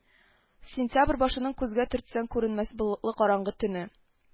Сентәбер башының күзгә төртсәң күренмәс болытлы караңгы төне